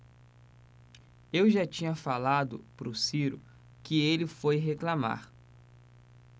eu já tinha falado pro ciro que ele foi reclamar